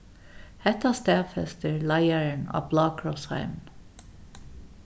hetta staðfestir leiðarin á blákrossheiminum